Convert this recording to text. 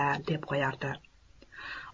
deb qo'yardi